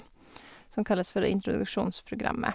Som kalles for introduksjonsprogrammet.